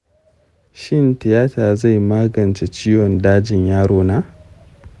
shin tiyata zai magance ciwon dajin yaro na?